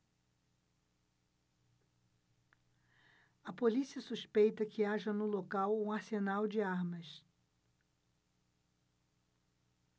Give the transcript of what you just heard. a polícia suspeita que haja no local um arsenal de armas